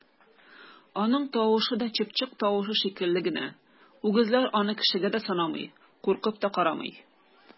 Аның тавышы да чыпчык тавышы шикелле генә, үгезләр аны кешегә дә санамый, куркып та карамый!